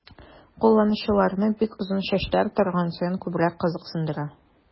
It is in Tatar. Кулланучыларны бик озын чәчләр торган саен күбрәк кызыксындыра.